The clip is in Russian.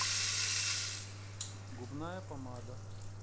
губная помада